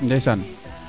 ndeysaan